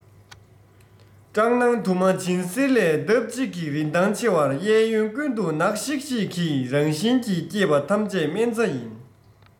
སྐྲག སྣང དུ མ བྱིན གསེར ལས ལྡབ གཅིག གིས རིན ཐང ཆེ བར གཡས གཡོན ཀུན ཏུ ནག ཤིག ཤིག གི རང བཞིན གྱི སྐྱེས པ ཐམས ཅད སྨན རྩྭ ཡིན